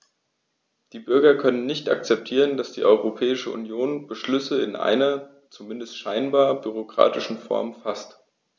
Die Bürger können nicht akzeptieren, dass die Europäische Union Beschlüsse in einer, zumindest scheinbar, bürokratischen Form faßt.